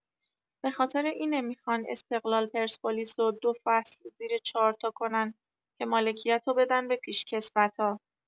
بخاطر اینه میخان استقلال پرسپولیسو ۲ فصل زیر ۴ تا کنن که مالکیتو بدن به پیشکسوتا